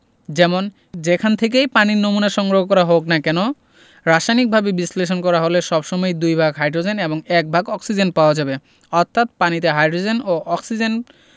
যেমন যেখান থেকেই পানির নমুনা সংগ্রহ করা হোক না কেন রাসায়নিকভাবে বিশ্লেষণ করা হলে সব সময় দুই ভাগ হাইড্রোজেন এবং এক ভাগ অক্সিজেন পাওয়া যাবে অর্থাৎ পানিতে হাইড্রোজেন ও অক্সিজেন